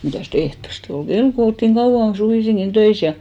mitäs ehtoosti oli kello kun oltiin kauan suvisinkin töissä ja